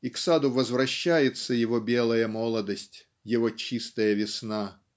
и к саду возвращается его белая молодость его чистая весна.